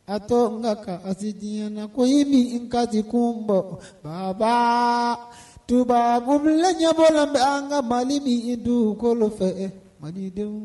A to nka ka asi di na ko ye min kati kun bɔ baba tubabon ɲɛbɔ la bɛ an ka mali min i dun kolo fɛ mali denw